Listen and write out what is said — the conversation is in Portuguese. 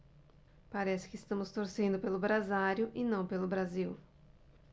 parece que estamos torcendo pelo brasário e não pelo brasil